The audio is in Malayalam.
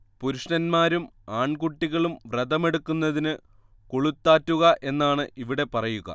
പുരുഷന്മാരും ആൺകുട്ടികളും വ്രതമെടുക്കുന്നതിന് കുളുത്താറ്റുക എന്നാണ് ഇവിടെ പറയുക